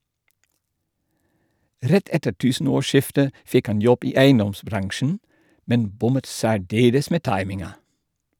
Rett etter tusenårsskiftet fikk han jobb i eiendomsbransjen - men bommet særdeles med timinga.